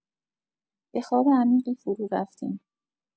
به خواب عمیقی فرورفتیم.